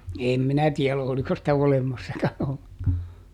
en minä tiedä oliko sitä olemassakaan ollenkaan